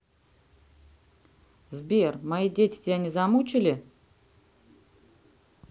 сбер мои дети тебя не замучили